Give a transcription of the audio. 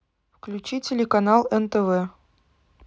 включи телеканал нтв